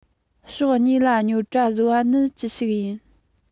ཕྱོགས གཉིས ལ རྙོག དྲ བཟོ བ ནི ཅི ཞིག ཡིན